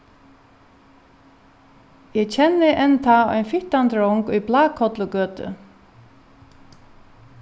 eg kenni enntá ein fittan drong í blákollugøtu